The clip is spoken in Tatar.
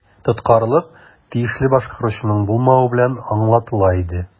Тоткарлык тиешле башкаручының булмавы белән аңлатыла иде.